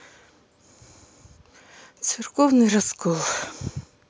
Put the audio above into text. церковный раскол